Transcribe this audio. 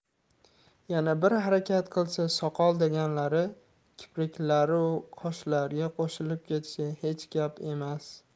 yana bir harakat qilsa soqol deganlari kipriklaru qoshlarga qo'shilib ketishi hech gapmas